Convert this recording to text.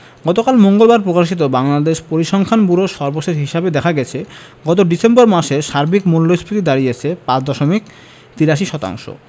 গতকাল মঙ্গলবার প্রকাশিত বাংলাদেশ পরিসংখ্যান ব্যুরোর সর্বশেষ হিসাবে দেখা গেছে গত ডিসেম্বর মাসে সার্বিক মূল্যস্ফীতি দাঁড়িয়েছে ৫ দশমিক ৮৩ শতাংশ